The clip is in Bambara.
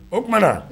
O tuma na